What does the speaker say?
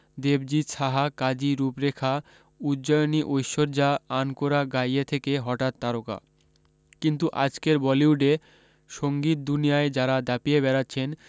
দেবজিত সাহা কাজী রূপরেখা উজ্জয়িনী ঐশ্বর্যা আনকোরা গাইয়ে থেকে হঠাত তারকা কিন্তু আজকের বলিউডে সঙ্গীত দুনিয়ায় যারা দাপিয়ে বেড়াচ্ছেন